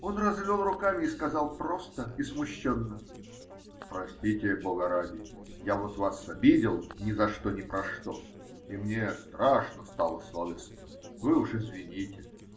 Он развел руками и сказал просто и смущенно: -- Простите бога ради, я вот вас обидел ни за что ни про что, и мне страшно стало совестно. Вы уж извините.